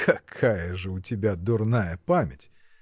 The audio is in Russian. — Какая же у тебя дурная память!